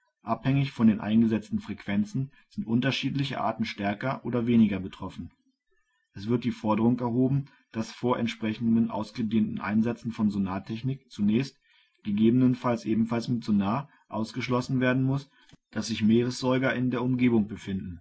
Abhängig von den eingesetzten Frequenzen sind unterschiedliche Arten stärker oder weniger betroffen. Es wird die Forderung erhoben, dass vor entsprechenden ausgedehnten Einsätzen von Sonartechnik zunächst, gegebenenfalls ebenfalls mit Sonar, ausgeschlossen werden muss, dass sich viele Meeressäuger in der Umgebung befinden